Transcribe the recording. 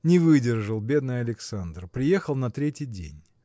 Не выдержал бедный Александр: приехал на третий день.